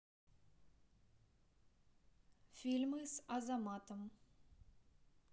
фильмы с азаматом